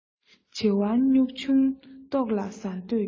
བྱི བ སྨྱུག ཆུང ལྟོགས ལ ཟ འདོད ཀྱིས